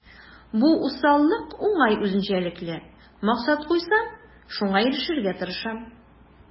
Бу усаллык уңай үзенчәлекле: максат куйсам, шуңа ирешергә тырышам.